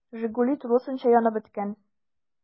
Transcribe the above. “жигули” тулысынча янып беткән.